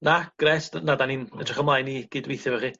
Na grêt dy- na 'dan ni'n edrych ymlaen i gyd-weithio efo chi.